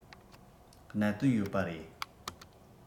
གནད དོན ཡོད པ རེད